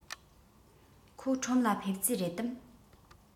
ཁོ ཁྲོམ ལ ཕེབས རྩིས རེད དམ